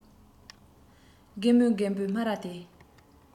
རྒན མོས རྒད པོའི སྨ ར དེར